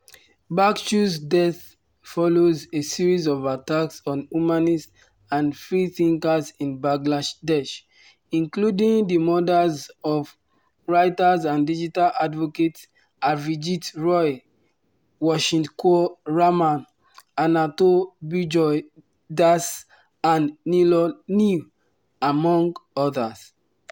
Bachchu’s death follows a series of attacks on humanists and freethinkers in Bangladesh, including the murders of writers and digital advocates Avijit Roy, Washiqur Rahman, Ananto Bijoy Das and Niloy Neel, among others.